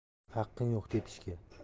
haqqing yo'q tepishga